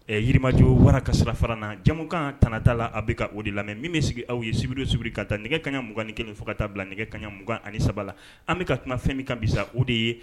Ɛ Yirimajo Wara ka sirafara na jamukaan TANA TAALA a bɛ ka o de lamɛ min be sigi aw ye sibiri o sibiri k'a ta nɛgɛ kaɲa 21 fo ka taa bila nɛgɛ kaɲa 23 an bɛ ka kuma fɛn min kan bisa o de ye